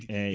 eyyi